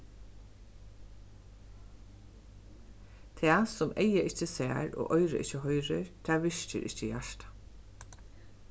tað sum eygað ikki sær og oyrað ikki hoyrir tað virkir ikki hjartað